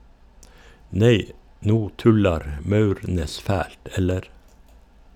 Nei no tullar Maurnes fælt, eller?